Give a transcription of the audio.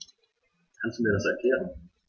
Kannst du mir das erklären?